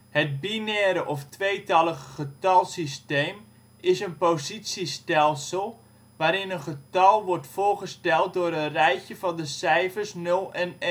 Het binaire of tweetallige getalsysteem is een positiestelsel, waarin een getal wordt voorgesteld door een rijtje van de cijfers 0 en 1. Een